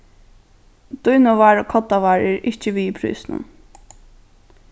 dýnuvár og koddavár eru ikki við í prísinum